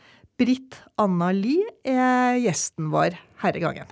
Brit Anna Lie er gjesten vår herre gangen.